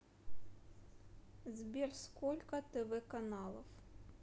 сбер сколько тв каналов